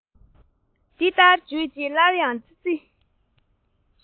འདི ལྟར བརྗོད རྗེས སླར ཡང ཙི ཙི